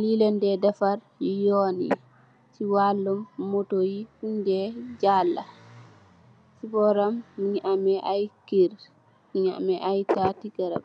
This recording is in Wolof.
li leen dè dèfar yoon yi ci walum Moto yi funn dè jal. Ci boram mungi ameh ay kër, nungi ameh ay taati garab.